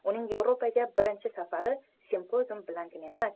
uning yevropaga hozirgi safari simpozium bilangina emas